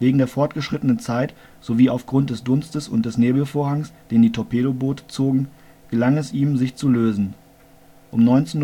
Wegen der fortgeschrittenen Zeit sowie aufgrund des Dunstes und des Nebelvorhangs, den die Torpedoboote zogen, gelang es ihm, sich zu lösen. Um 19:50